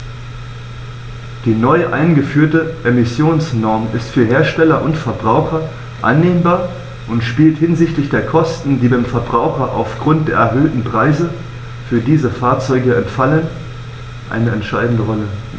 Die neu eingeführte Emissionsnorm ist für Hersteller und Verbraucher annehmbar und spielt hinsichtlich der Kosten, die beim Verbraucher aufgrund der erhöhten Preise für diese Fahrzeuge anfallen, eine entscheidende Rolle.